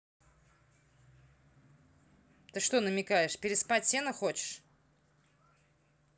ты на что намекаешь переспать сено хочешь